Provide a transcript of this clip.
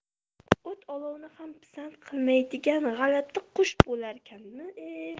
o't olovni ham pisand qilmaydigan g'alati qush bo'larkanmi e